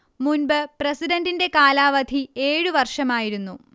മുൻപ് പ്രസിഡന്റിന്റെ കാലാവധി ഏഴ് വർഷമായിരുന്നു